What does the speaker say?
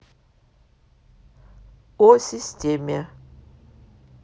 о системе